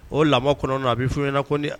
O lamɔ kɔnɔna na, a bi fi ɲɛna ko ni